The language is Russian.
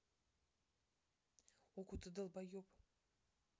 okko ты долбоеб